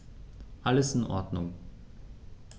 Alles in Ordnung.